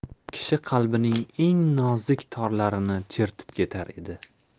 kishi qalbining eng nozik torlarini chertib ketar edi